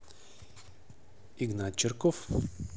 игнат чирков